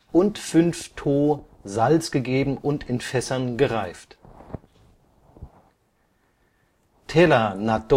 und 5 To Salz gegeben und in Fässern gereift. Tera-Nattō